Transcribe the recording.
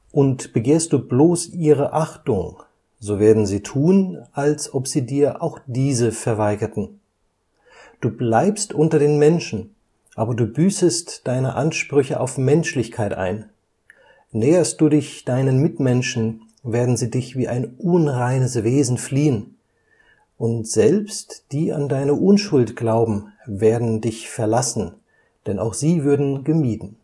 und begehrst du bloß ihre Achtung, so werden sie tun, als ob sie dir auch diese verweigerten. Du bleibst unter den Menschen, aber du büßest deine Ansprüche auf Menschlichkeit ein. Näherst du dich deinen Mitmenschen, werden sie dich wie ein unreines Wesen fliehen; und selbst die an deine Unschuld glauben, werden dich verlassen, denn auch sie würden gemieden